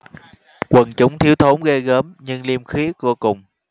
quần chúng thiếu thốn ghê gớm nhưng liêm khiết vô cùng